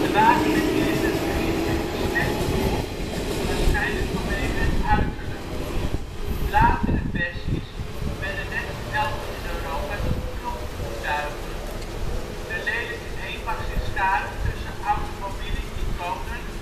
wagen werd hier in het begin echter slecht verkocht, waarschijnlijk vanwege het uiterlijk. Latere versies werden net als elders in Europa tot cultvoertuigen. De lelijke eend mag zich scharen tussen automobiele iconen